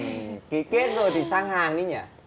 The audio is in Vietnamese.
kí kết rồi thì sang hàng đi nhỉ